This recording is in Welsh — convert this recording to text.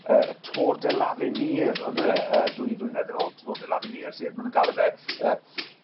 yy y Tour de l'Avenir on'd o'dd e yy dwy flynedd yn ôl Tour de l'Avenir sef ma' nw'n galw fe yy